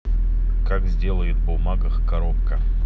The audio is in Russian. как сделает бумагах коробка